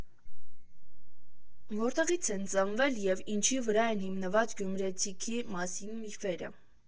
Որտեղի՞ց են ծնվել և ինչի վրա են հիմնված գյումրեցիքի մասին միֆերը.